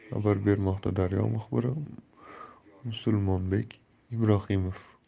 deya xabar bermoqda daryo muxbiri musulmonbek ibrohimov